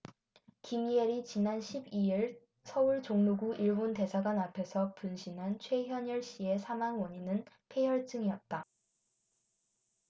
김예리 지난 십 이 일 서울 종로구 일본대사관 앞에서 분신한 최현열씨의 사망 원인은 패혈증이었다